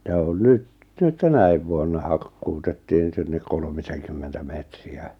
ja on nyt nyt tänä vuonna hakkuutettiin sinne kolmisenkymmentä metriä